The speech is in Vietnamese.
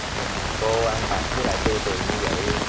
nhìn cô ăn mặc với lại tiêu tiền như vậy